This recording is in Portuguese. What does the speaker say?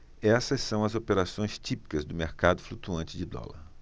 essas são as operações típicas do mercado flutuante de dólar